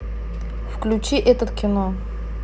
выключи этот кино